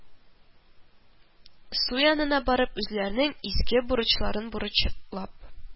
Су янына барып үзләренең изге бурычларын бурычлап